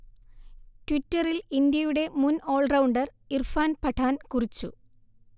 ട്വിറ്ററിൽ ഇന്ത്യയുടെ മുൻ ഓൾറൗണ്ടർ ഇർഫാൻ പഠാൻ കുറിച്ചു